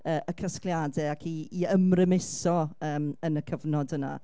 y y casgliadau ac i ymrymuso yn y cyfnod yna.